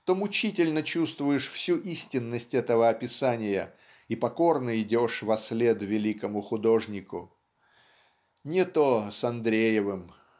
то мучительно чувствуешь всю истинность этого описания и покорно идешь вослед великому художнику. Не то с Андреевым.